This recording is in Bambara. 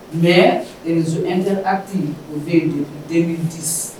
Mɛz inte ati o de den di